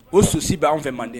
O susi b'an fɛ mande